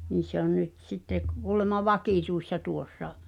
niin se on nyt sitten - kuulemma vakituisena tuossa